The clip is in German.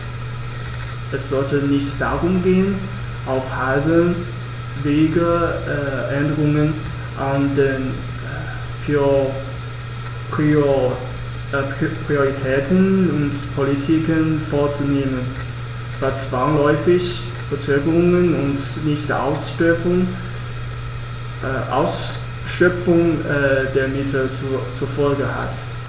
Es sollte nicht darum gehen, auf halbem Wege Änderungen an den Prioritäten und Politiken vorzunehmen, was zwangsläufig Verzögerungen und Nichtausschöpfung der Mittel zur Folge hat.